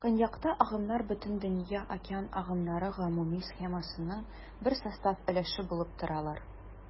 Көньякта агымнар Бөтендөнья океан агымнары гомуми схемасының бер состав өлеше булып торалар.